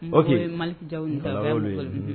Oke